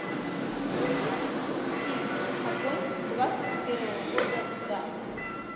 фильм огонь двадцать первого года да